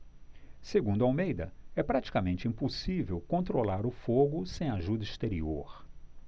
segundo almeida é praticamente impossível controlar o fogo sem ajuda exterior